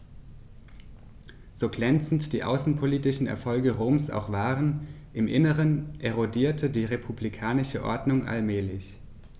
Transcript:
So glänzend die außenpolitischen Erfolge Roms auch waren: Im Inneren erodierte die republikanische Ordnung allmählich.